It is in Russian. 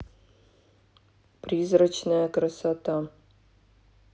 призрачная красота